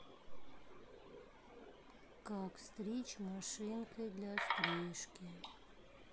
как стричь машинкой для стрижки